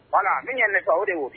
Voilà ne